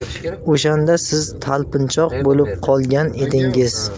o'shanda siz talpinchoq bo'lib qolgan edingiz